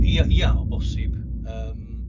Ie, ia o bosib, yym.